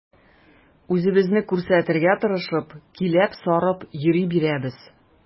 Үзебезне күрсәтергә тырышып, киләп-сарып йөри бирәбез.